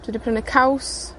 Dwi 'di prynu caws.